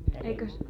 eikös